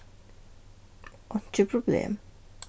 einki problem